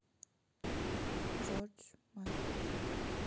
джордж майкл